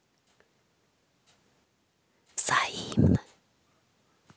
взаимно